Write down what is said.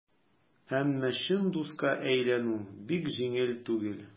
Әмма чын дуска әйләнү бик җиңел түгел.